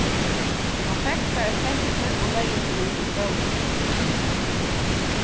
hann fekk sær eitt teppi og legði seg út í sólina